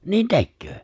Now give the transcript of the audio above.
niin tekee